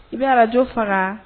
I bɛ araj faga